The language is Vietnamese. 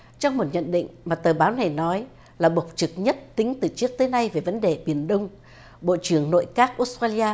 trong một nhận định mà tờ báo này nói là bộc trực nhất tính từ trước tới nay về vấn đề biển đông bộ trưởng nội các ót trây ly a